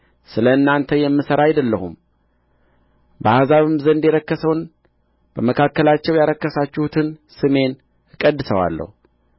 ስለ እናንተ የምሠራ አይደለሁም በአሕዛብም ዘንድ የረከሰውን በመካከላቸው ያረከሳችሁትን ስሜን እቀድሰዋለሁ